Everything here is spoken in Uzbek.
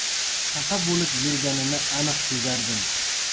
xafa bo'lib yurganini aniq sezardim